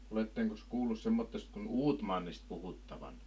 olettekos kuullut semmoisesta kuin Uutmannista puhuttavan